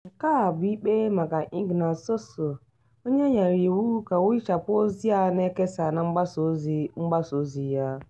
Nke a bụ ikpe maka Ignace Sossou, onye e nyere iwu ka ọ ihichapụ ozi a na-ekesa na mgbasa ozi mgbasa ozi ya.